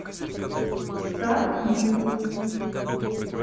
так ю